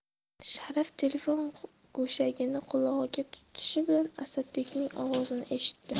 sharif telefon go'shagini qulog'iga tutishi bilan asadbekning ovozini eshitdi